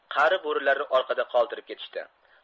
qari bo'rilarni orqada qoldirib ketishdi